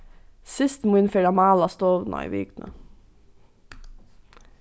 systir mín fer at mála stovuna í vikuni